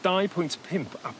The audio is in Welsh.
dau pwynt pump a